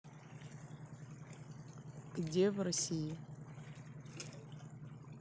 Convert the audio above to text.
где в россии